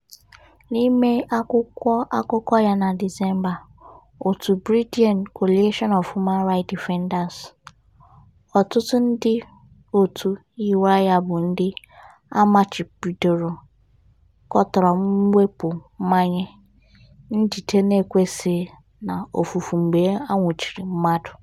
N'ime akwụkwọ akụkọ ya na Disemba, òtù Burundian Coalition of Human Rights Defenders - ọtụtụ ndịòtù yiwere ya bụ ndị a machibidoro - katọrọ mwepụ mmanye, njide n'ekwesighị, na ofufu mgbe a nwụchiri mmadụ.